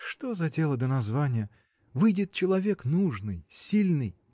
— Что за дело до названия — выйдет человек нужный, сильный.